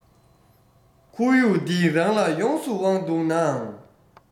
ཁོར ཡུག འདི རང ལ ཡོངས སུ དབང འདུག ནའང